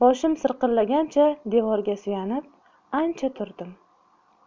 boshim sirqillagancha devorga suyanib ancha turdim